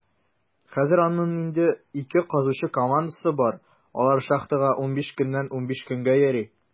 Хәзер аның инде ике казучы командасы бар; алар шахтага 15 көннән 15 көнгә йөри.